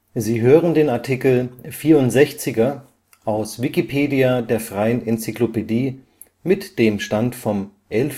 Sie hören den Artikel 64’ er, aus Wikipedia, der freien Enzyklopädie. Mit dem Stand vom Der